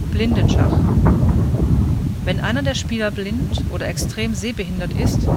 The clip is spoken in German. Blindenschach: Wenn einer der Spieler blind oder extrem sehbehindert ist